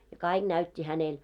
ja kaikki näytti hänelle